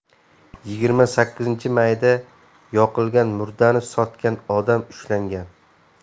yigirma sakkizinchi mayda yoqilgan murdani sotgan odam ushlangan